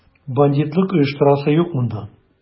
Бандитлык оештырасы юк монда!